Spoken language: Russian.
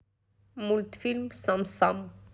мультфильм сам сам